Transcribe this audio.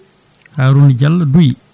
Harouna Diallo Douyi